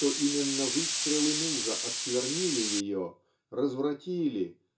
что именно выстрелы мужа осквернили ее развратили